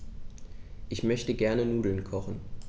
Ich möchte gerne Nudeln kochen.